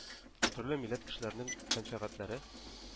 Төрле милләт кешеләренең мәнфәгатьләре